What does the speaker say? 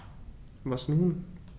Was nun?